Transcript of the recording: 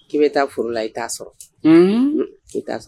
K'i bɛ taa foro la i t'a sɔrɔ i t'a sɔrɔ